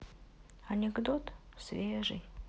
анекдот свежий